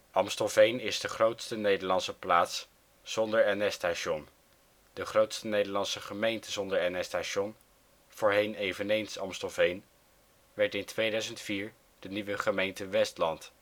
Amstelveen is de grootste Nederlandse plaats zonder NS-station (de grootste Nederlandse gemeente zonder NS-station, voorheen eveneens Amstelveen, werd in 2004 de nieuwe gemeente Westland